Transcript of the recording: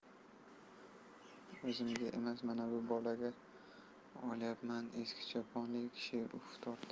o'zimga emas mana bu bolaga olyapman eski choponli kishi uf tortdi